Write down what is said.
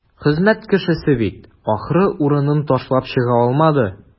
Хезмәт кешесе бит, ахры, урынын ташлап чыга алмады.